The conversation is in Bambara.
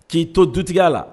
K'i to dutigiya la